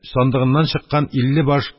Сандыгыннан чыккан илле баш